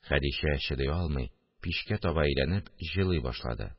Хәдичә, чыдый алмый, пичкә таба әйләнеп җылый башлады